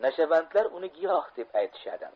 nashavandlar uni giyoh deb aytishadi